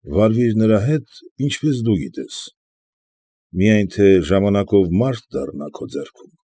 Վարվի՛ր նրա հետ, ինչպես դու գիտես, միայն թե ժամանակով մարդ դառնա քո ձեռքում։ ֊